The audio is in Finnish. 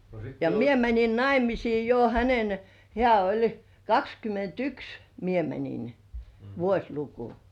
ja minä menin naimisiin jo hänen hän oli kaksikymmentäyksi minä menin vuosiluku